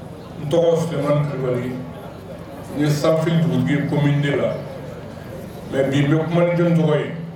N tɔgɔ fɛn nin ye sanfi dugutigi ko minde la mɛ bi n bɛ kumadenw tɔgɔ ye